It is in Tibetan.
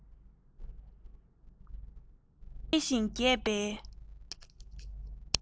འཕེལ ཞིང རྒྱས པའི